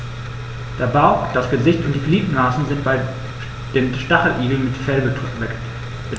Der Bauch, das Gesicht und die Gliedmaßen sind bei den Stacheligeln mit Fell bedeckt.